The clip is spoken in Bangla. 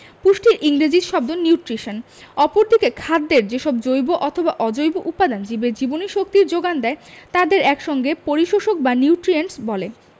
পুষ্টির ইংরেজি শব্দ নিউট্রিশন অপরদিকে খাদ্যের যেসব জৈব অথবা অজৈব উপাদান জীবের জীবনীশক্তির যোগান দেয় তাদের এক সঙ্গে পরিশোষক বা নিউট্রিয়েন্টস বলে